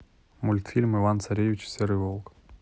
мультфильм иван царевич и серый волк